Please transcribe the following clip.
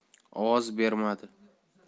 ovoz bermadi